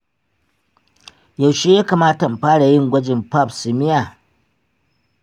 yaushe ya kamata in fara yin gwajin pap smear?